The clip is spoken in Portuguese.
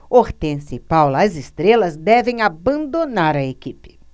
hortência e paula as estrelas devem abandonar a equipe